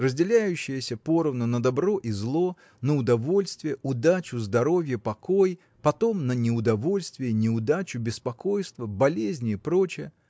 разделяющаяся поровну на добро и зло на удовольствие удачу здоровье покой потом на неудовольствие неудачу беспокойство болезни и проч.